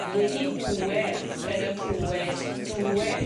Wedd hi'n ŵer yn y cŵed dŵe.